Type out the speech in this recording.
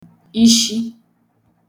ishi